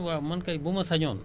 gisuñu la dégguñu la